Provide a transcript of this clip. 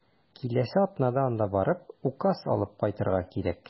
Киләсе атнада анда барып, указ алып кайтырга кирәк.